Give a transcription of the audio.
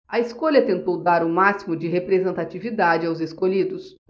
a escolha tentou dar o máximo de representatividade aos escolhidos